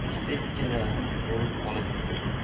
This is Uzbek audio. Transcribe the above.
mushtdekkina bo'lib qolibdi